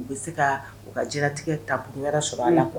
U be se kaa u ka jɛnatigɛ tab ɲɛ ka sɔr'a la quoi unhun